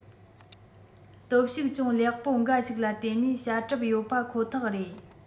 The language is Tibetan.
སྟོབས ཤུགས ཅུང ལེགས པོ འགའ ཞིག ལ བརྟེན ནས བྱ གྲབས ཡོད པ ཁོ ཐག རེད